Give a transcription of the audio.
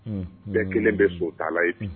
Mais kelen bɛ so ta la ye